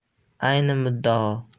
ayni muddao